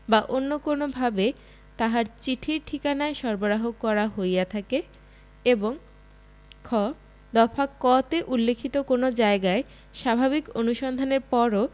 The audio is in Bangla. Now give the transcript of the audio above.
বা অন্য কোনভাবে তাহার চিঠির ঠিকানায় সরবরাহ করা হইয়া থাকে এবং খ দফা ক তে উল্লেখিত কোন জায়গায় স্বাভাবিক অনুসন্ধানের পরও